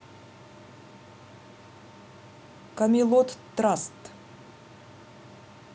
камелот траст